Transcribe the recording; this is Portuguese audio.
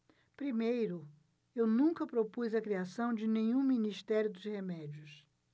primeiro eu nunca propus a criação de nenhum ministério dos remédios